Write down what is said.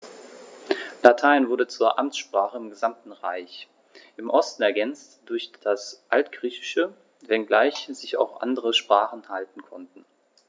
Latein wurde zur Amtssprache im gesamten Reich (im Osten ergänzt durch das Altgriechische), wenngleich sich auch andere Sprachen halten konnten.